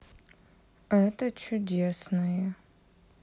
это чудесное